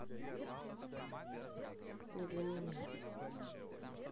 не для меня